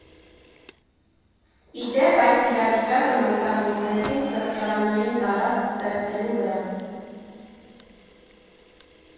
Ի դեպ, այս իրավիճակն օգտագործեցինք սրճարանային տարածք ստեղծելու վրա։